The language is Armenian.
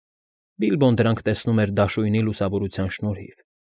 Բիլբոն դրանք տեսնում էր դաշույնի լուսավորության շնորհիվ։